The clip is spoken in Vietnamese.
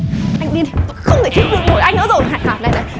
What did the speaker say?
đi tôi không thể chịu đựng nổi anh nữa rồi hả hả này